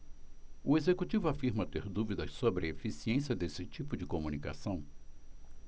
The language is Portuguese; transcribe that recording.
o executivo afirma ter dúvidas sobre a eficiência desse tipo de comunicação